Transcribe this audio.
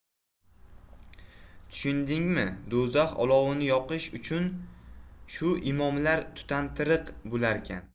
tushundingmi do'zax olovini yoqish uchun shu imomlar tutantiriq bo'larkan